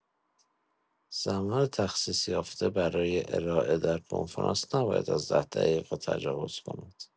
زمان تخصیص‌یافته برای ارائه در کنفرانس نباید از ده دقیقه تجاوز کند.